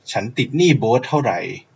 ฉันติดหนี้โบ๊ทเท่าไร